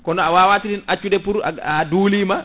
kono awa trin accude pour a duulima